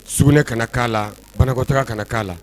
Sugunɛ kana na k'a la banakɔtɔ ka na k'a la